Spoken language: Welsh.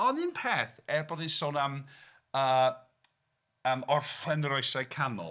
Ond un peth, er bod ni'n sôn am, yy, am orffen yr Oesau Canol.